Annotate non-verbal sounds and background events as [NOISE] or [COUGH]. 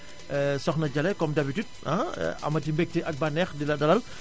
[HESITATION] Soxna Jalle comme d' habitude ah amati mbégte ak bànneex di la dalal [MUSIC]